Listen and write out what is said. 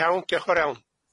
Iawn diolch yn fawr iawn.